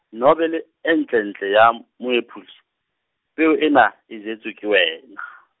nobele e ntlentle ya m- Moephuli, peo ena, e jetswe ke wena.